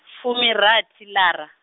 fumirathi lara.